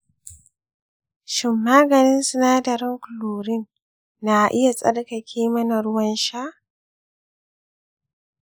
shin maganin sinadarin chlorine na iya tsarkake mana ruwan sha?